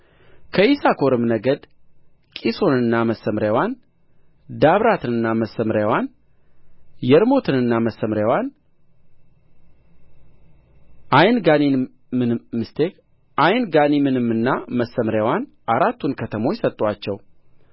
ከይሳኮርም ነገድ ቂሶንንና መሰምርያዋን ዳብራትንና መሰምርያዋን የርሙትንና መሰምርያዋን ዓይንጋኒምንና መሰምርያዋን አራቱን ከተሞች ሰጡአቸው